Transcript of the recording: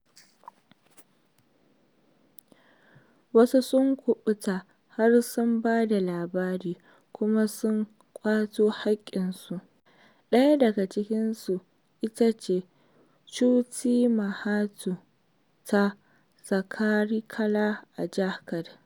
Wasu sun kuɓuta har sun ba da labari kuma sun kwato haƙƙinsu. ɗaya daga cikinsu ita ce Chutni Mahato ta Saraikela a Jharkand.